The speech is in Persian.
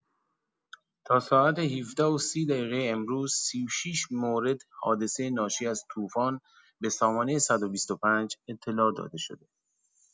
تا ساعت ۱۷: ۳۰ امروز ۳۶ مورد حادثه ناشی از توفان به سامانه ۱۲۵ اطلاع داده شد.